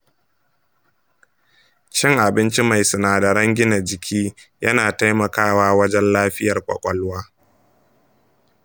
cin abinci mai sinadiran gina jiki yana taimaka wa wajan lafiyar ƙwaƙwala.